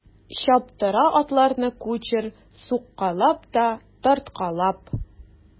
Чаптыра атларны кучер суккалап та тарткалап.